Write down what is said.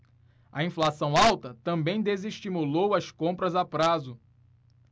a inflação alta também desestimulou as compras a prazo